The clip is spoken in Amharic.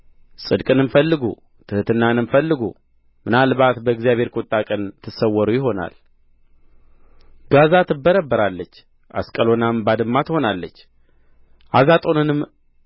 ጽድቅንም ፈልጉ ትሕትናንም ፈልጉ ምናልባት በእግዚአብሔር ቍጣ ቀን ትሰወሩ ይሆናል ጋዛ ትበረበራለች አስቀሎናም ባድማ ትሆናለች አዞጦንንም